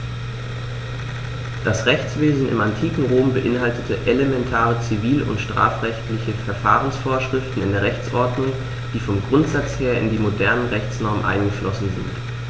Das Rechtswesen im antiken Rom beinhaltete elementare zivil- und strafrechtliche Verfahrensvorschriften in der Rechtsordnung, die vom Grundsatz her in die modernen Rechtsnormen eingeflossen sind.